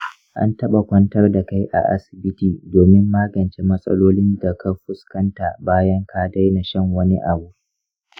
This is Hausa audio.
an taɓa kwantar da kai a asibiti domin magance matsalolin da ka fuskanta bayan ka daina shan wani abu?